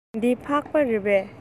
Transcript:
འདི ཕག པ རེད པས